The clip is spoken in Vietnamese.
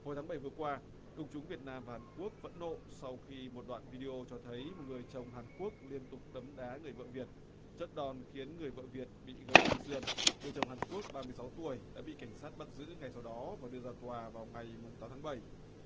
hồi tháng bảy vừa qua công chúng việt nam và hàn quốc phẫn nộ sau khi một đoạn vi đi ô cho thấy một người chồng hàn quốc liên tục đấm đá người vợ việt trận đòn khiến người vợ việt bị gãy xương sườn người chồng hàn quốc ba mươi sáu tuổi đã bị cảnh sát bắt giữ ngay sau đó và đưa ra tòa vào ngày mùng tám tháng bảy